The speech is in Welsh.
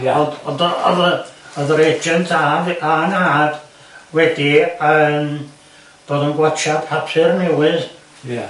Ia... Ond ond o'dd-o'dd yy o'dd yr agent a- a'n nhad wedi yym bod yn gwatsiad papur newydd... Ia...